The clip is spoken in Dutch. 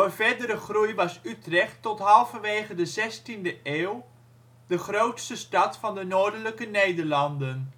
verdere groei was Utrecht tot halverwege de 16e eeuw de grootste stad van de noordelijke Nederlanden